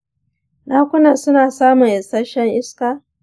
dakunan suna samun isasshen iska?